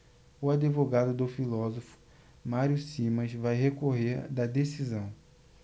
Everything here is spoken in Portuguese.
o advogado do filósofo mário simas vai recorrer da decisão